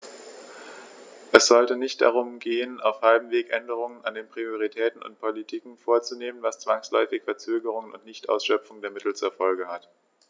Es sollte nicht darum gehen, auf halbem Wege Änderungen an den Prioritäten und Politiken vorzunehmen, was zwangsläufig Verzögerungen und Nichtausschöpfung der Mittel zur Folge hat.